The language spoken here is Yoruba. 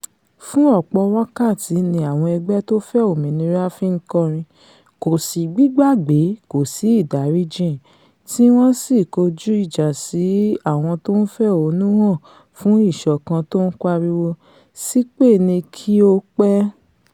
Fún ọ̀pọ̀ wákàtí ni àwọn ẹgbẹ́ tófẹ́ òmìnira fi ńkọrin ''Kòsí gbígbàgbé, kòsí ìdáríjìn'' tíwọ́n sì kọjú ìjà sí àwọn tó ń fẹ̀hónúhàn fún ìsọkan tó ń pariwo, ''Sípèènì kí ó pẹ́.''